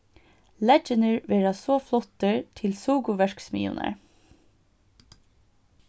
leggirnir verða so fluttir til sukurverksmiðjurnar